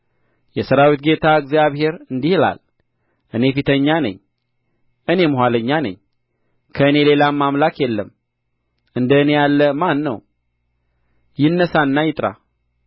የሠራዊት ጌታ እግዚአብሔር እንዲህ ይላል እኔ ፊተኛ ነኝ እኔም ኋለኛ ነኝ ከእኔ ሌላም አምላክ የለም እንደ እኔ ያለ ማን ነው ይነሣና ይጥራ